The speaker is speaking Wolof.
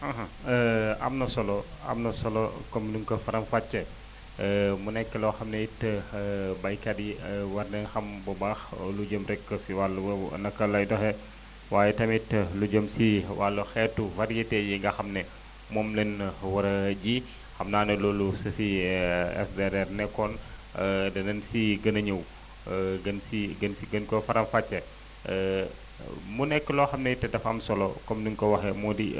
am na solo am na solo comme ni nga ko faram-fàccee mu nekk loo xam ne it baykat yi war nañu xam bu baax lu jëm rek si wàllu woowu naka lay doxee waaye tamit lu jëm si wàllu xeetu variétés yi nga xam ne moom lañ war a ji xam naa ne loolu su fi SDRR nekkoon danañ si gën a ñëw gën si gën si gën koo faram-fàccee mu nekk loo xam ne it dafa am solo comme ni mu ko waxee moo di